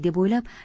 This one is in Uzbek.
deb o'ylab